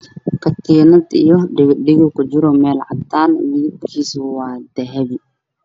Waa katiinad iyo dhago kujiro meel cadaan ah midabkoodu uu yahay dahabi.